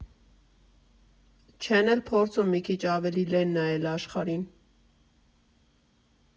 Չեն էլ փորձում մի քիչ ավելի լեն նայեն աշխարհին։